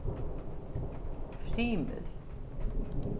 frymil